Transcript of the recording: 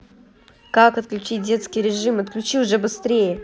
как отключить детский режим отключи уже быстрее